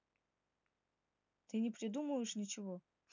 ты не придумаешь ничего